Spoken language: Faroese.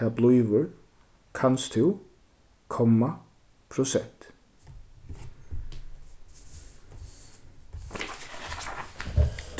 tað blívur kanst tú komma prosent